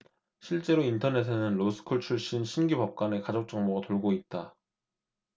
실제로 인터넷에는 로스쿨 출신 신규 법관의 가족 정보가 돌고 있다